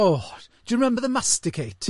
O, do you remember the masticate?